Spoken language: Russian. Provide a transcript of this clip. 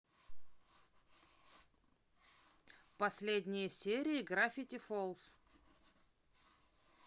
последние серии гравити фолс